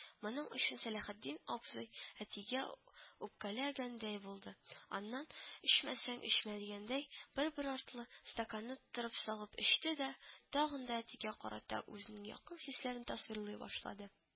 Моның өчен Сәләхетдин абзый әтигә үпкәләгәндәй булды. Аннан, эчмәсәң, эчмә, дигәндәй, бер-бер артлы стаканны тутырып салып эчте дә, тагы да әтигә карата үзенең якын хисләрын тасвирлый башлады: